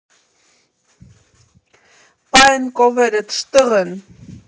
Պա էն կովերտ շտեղը՞ն։